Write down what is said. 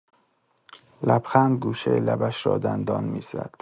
لبخند گوشۀ لبش را دندان می‌زد.